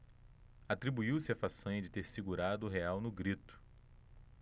atribuiu-se a façanha de ter segurado o real no grito